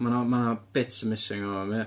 Ma' 'na ma' 'na bits yn missing yn fama, mae o...